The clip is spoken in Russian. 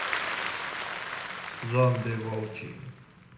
zombie волчий